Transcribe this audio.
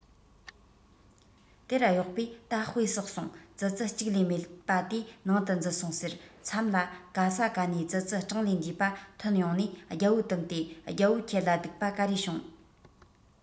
དེར གཡོག པོས ད དཔེ བསགས སོང ཙི ཙི གཅིག ལས མེད པ དེ ནང དུ འཛུལ སོང ཟེར མཚམས ལ ག ས ག ནས ཙི ཙི གྲངས ལས འདས པ ཐོན ཡོང ནས རྒྱལ པོ བཏུམས ཏེ རྒྱལ པོ ཁྱེད ལ སྡུག པ ག རེ བྱུང